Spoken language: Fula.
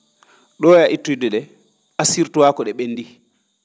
?o e a ittoyde ?e assure toi ko ?e ?enndii